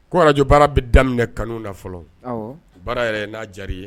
Ko radio baara bɛ daminɛ kanu na fɔlɔ, awɔ baara yɛrɛ ye n'a jara i ye.